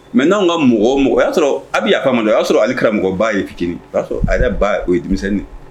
Mais n'anw ŋa mɔgɔ o mɔgɔ o y'a sɔrɔɔ a bi yafa ma dɛ o y'a sɔrɔ hali karamɔgɔba ye fitini y'a sɔrɔ a yɛrɛ ba o ye denmisɛnni